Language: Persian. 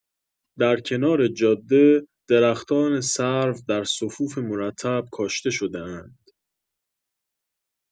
در کنار جاده، درختان سرو در صفوف مرتب کاشته شده‌اند.